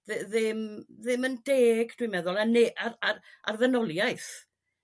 dd- ddim ddim yn deg dwi'n meddwl a ne- a'r a'r a'r ddynoliaeth